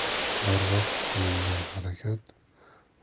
barvaqt qilingan harakat